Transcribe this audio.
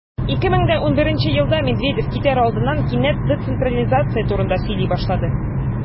2011 елда медведев китәр алдыннан кинәт децентрализация турында сөйли башлады.